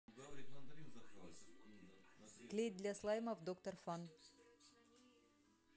клей для слаймов доктор фан